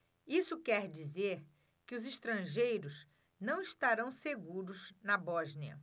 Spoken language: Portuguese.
isso quer dizer que os estrangeiros não estarão seguros na bósnia